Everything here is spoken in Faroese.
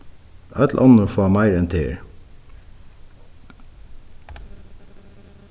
øll onnur fáa meira enn tær